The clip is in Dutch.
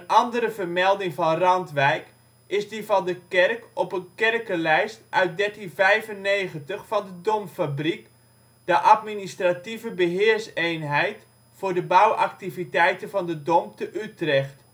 andere vermelding van Randwijk is die van de kerk op een kerkenlijst uit 1395 van de Domfabriek, de administratieve beheerseenheid voor de bouwactiviteiten van de Dom te Utrecht